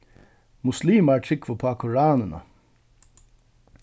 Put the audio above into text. muslimar trúgva upp á koranina